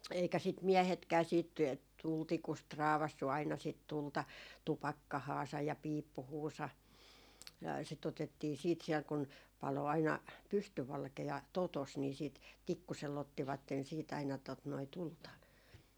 eikä sitä miehetkään sitten tulitikusta raapaissut aina sitä tulta tupakkaansa ja piippuunsa sitä otettiin sitten siellä kun paloi aina pystyvalkea totossa niin sitten tikkusella ottivat siitä aina tuota noin tulta